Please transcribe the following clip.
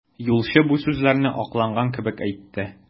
Юлчы бу сүзләрне акланган кебек әйтте.